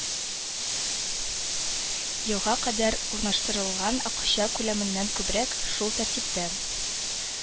Елга кадәр урнаштырылган акча күләменнән күбрәк: шул тәртиптә